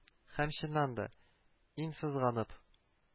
Һәм, чыннан да, иң сызганып